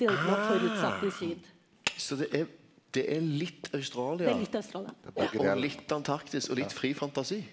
ah så det er det er litt Australia og litt Antarktis og litt fri fantasi?